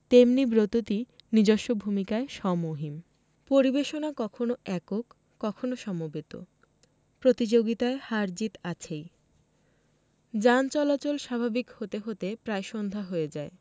তেমনি ব্রততী নিজস্ব ভূমিকায় স্বমহিম পরিবেশনা কখনো একক কখনো সমবেত প্রতিযোগিতায় হার জিত আছই যান চলাচল স্বাভাবিক হতে হতে প্রায় সন্ধ্যা হয়ে যায়